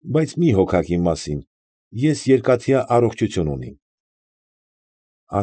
Բայց մի հոգաք իմ մասին, ես երկաթյա առողջություն ունիմ։